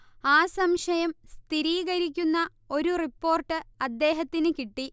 ആ സംശയം സ്ഥിരീകരിക്കുന്ന ഒരു റിപ്പോർട്ട് അദ്ദേഹത്തിന് കിട്ടി